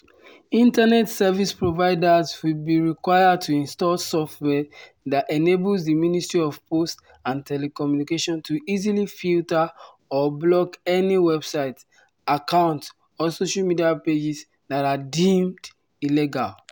Internet service providers will be required to install software that enables the Ministry of Posts and Telecommunications to “easily filter or block any websites, accounts or social media pages that are deemed illegal”.